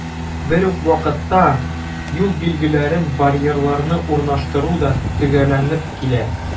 Бер үк вакытта, юл билгеләрен, барьерларны урнаштыру да төгәлләнеп килә.